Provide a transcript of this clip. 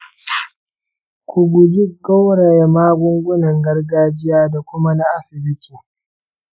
ku guji gauraya magungunan gargajiya da kuma na asibiti.